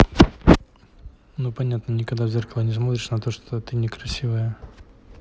ну понятно никогда в зеркало не смотришь на что ты некрасивая